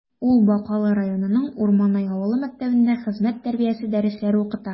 Ул Бакалы районының Урманай авылы мәктәбендә хезмәт тәрбиясе дәресләре укыта.